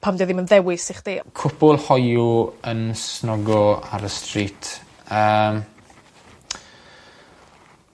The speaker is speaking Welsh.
pan 'di o ddim yn dewis i chdi. Cwpwl hoyw yn snogo ar y street yym